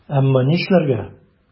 Әмма нишләргә?!